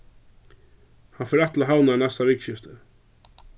hann fer aftur til havnar næsta vikuskifti